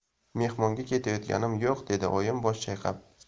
mehmonga ketayotganim yo'q dedi oyim bosh chayqab